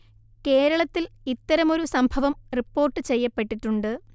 കേരളത്തിൽ ഇത്തരമൊരു സംഭവം റിപ്പോർട്ട് ചെയ്യപ്പെട്ടിട്ടുണ്ട്